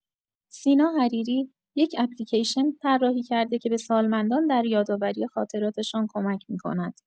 سینا حریری، یک اپلیکیشن طراحی کرده که به سالمندان در یادآوری خاطراتشان کمک می‌کند.